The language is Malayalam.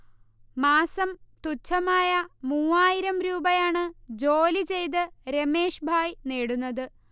മാസം തുച്ഛമായ മൂവായിരം രൂപയാണ് ജോലി ചെയ്ത് രമേശ്ഭായ് നേടുന്നത്